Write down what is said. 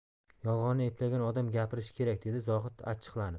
yolg'onni eplagan odam gapirishi kerak dedi zohid achchiqlanib